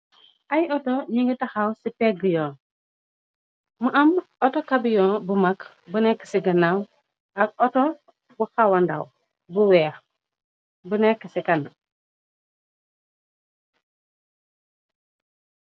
Ay auto ñi ngi taxaw ci pegg yoon mu am autocabiyon bu mag bu nekk ci gannaw. Ak auto bu xawandaw bu weex bu nekk ci kan.